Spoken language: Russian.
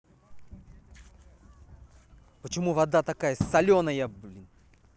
почему морская вода такая соленая